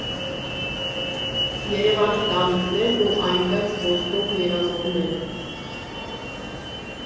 Երևանի տանիքներն ու այնտեղ զբոսնող երազողները։